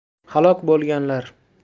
halok bo'lganlar